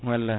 wallay